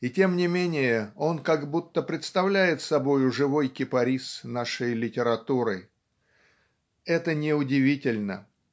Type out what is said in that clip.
и тем не менее он как будто представляет собою живой кипарис нашей литературы. Это неудивительно.